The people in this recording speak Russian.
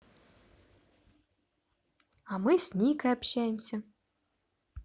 а мы с никой общаемся